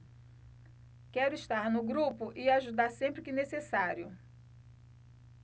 quero estar no grupo e ajudar sempre que necessário